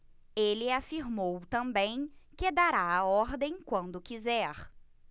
ele afirmou também que dará a ordem quando quiser